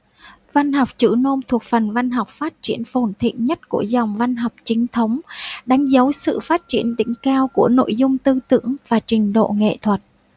văn học chữ nôm thuộc phần văn học phát triển phồn thịnh nhất của dòng văn học chính thống đánh dấu sự phát triển đỉnh cao của nội dung tư tưởng và trình độ nghệ thuật